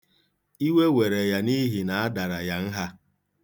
Iwe were ya n'ihi na a dara ya nha.